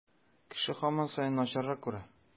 Кеше һаман саен начаррак күрә.